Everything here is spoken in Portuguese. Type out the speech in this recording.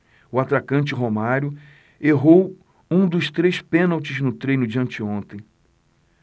o atacante romário errou um dos três pênaltis no treino de anteontem